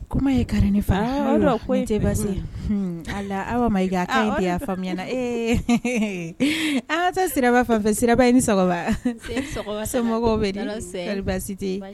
Kuma ye ka ne fa tɛ baasi aw iya faamuya ee an tɛ siraba fan fɛ siraba ye ni mɔgɔw bɛ baasi tɛ